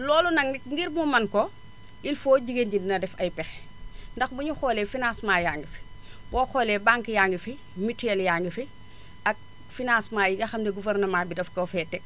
loolu nag ngir mu mën ko il faut jigéen ji dina def ay pexe ndax bu ñu xoolee financement yaa ngi fi boo xoolee banques yaa ngi fi mutuelle yaa ngi fi ak financement yi nga xam ne gouvernement bi daf ko fee teg